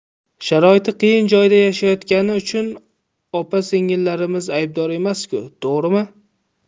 sharoiti qiyin joyda yashayotgani uchun opa singillarimiz aybdor emasku to'g'rimi